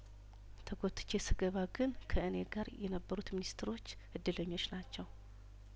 ተጐትቼ ስገባ ግን ከእኔ ጋር የነበሩት ሚኒስትሮች እድለኞች ናቸው